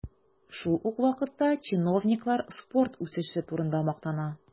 Шул ук вакытта чиновниклар спорт үсеше турында мактана.